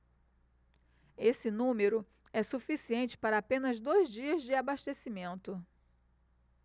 esse número é suficiente para apenas dois dias de abastecimento